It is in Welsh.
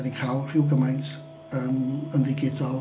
Dan ni'n cael rhyw gymaint yn yn ddigidol.